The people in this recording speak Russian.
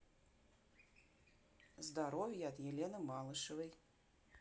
здоровье от елены малышевой